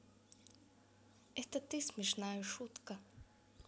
это ты смешная шутка